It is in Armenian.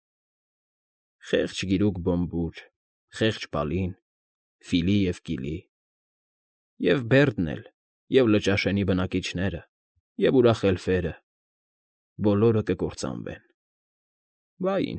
Խե՜ղճ գիրուկ Բոմբուրը, խեղճ Բալին, Ֆիլի ու Կիլի, և Բերդն էլ, և Լճաշենի բնակիչները, և ուրախ էլֆերը՝ բոլորը կկործանվեն… Վա՜յ։